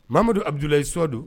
Mamadu abudulayi sɔ don